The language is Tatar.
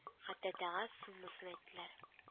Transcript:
Хәтта тагаз суммасын әйттеләр